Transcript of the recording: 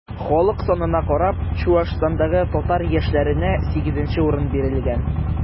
Халык санына карап, Чуашстандагы татар яшьләренә 8 урын бирелгән.